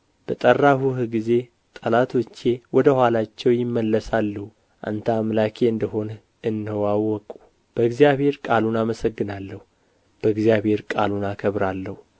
በጠራሁህ ጊዜ ጠላቶቼ ወደ ኋላቸው ይመለሳሉ አንተ አምላኬ እንደ ሆንህ እነሆ አወቅሁ በእግዚአብሔር ቃሉን አመሰግናለሁ በእግዚአብሔር ቃሉን አከብራለሁ